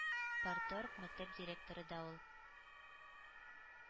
Парторг мәктәп директоры да ул